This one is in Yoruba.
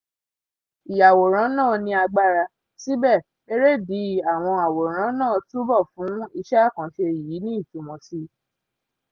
"Ìyàwòrán náà ni agbára, síbẹ̀ erédìí àwọn àwòrán náà túbọ̀ fún iṣẹ́ àkànṣe yìí ní ìtumọ̀ síi.